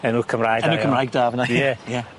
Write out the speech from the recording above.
Enw Cymraeg da iawn. Enw Cymraeg da fan 'na . Ie. Ie.